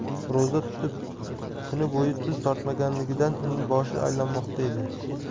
ro'za tutib kuni bo'yi tuz totmaganligidan uning boshi aylanmoqda edi